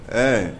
Ɛɛ